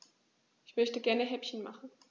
Ich möchte gerne Häppchen machen.